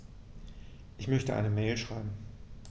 Ich möchte eine Mail schreiben.